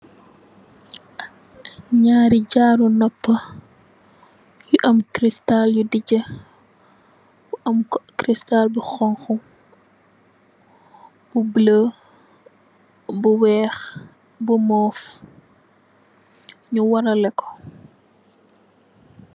Naari jaaru noppa yu am cristal yu digi cristal bu xonxu bu bulu bu weex bu move nyu woralex ko.